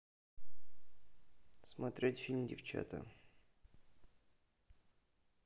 смотреть фильм девчата